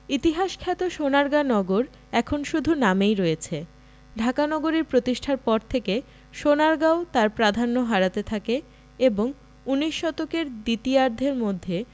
ইতিহাসখ্যাত সোনারগাঁও নগর এখন শুধু নামেই রয়েছে ঢাকা নগরীর প্রতিষ্ঠার পর থেকে সোনারগাঁও তার প্রাধান্য হারাতে থাকে এবং ঊনিশ শতকের দ্বিতীয়ার্ধের মধ্যে